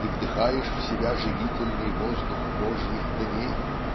и вдыхаешь в себя живительный воздух Божьих дней.